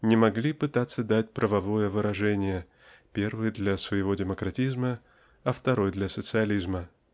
не могли пытаться дать правовое выражение -- первый для своего демократизма а второй для социализма.